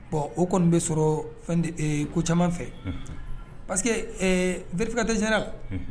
Bɔn o kɔni bɛ sɔrɔ fɛn ko caman fɛ pa parce que bered